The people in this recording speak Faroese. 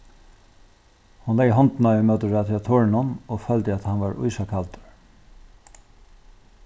hon legði hondina í móti radiatorinum og føldi at hann var ísakaldur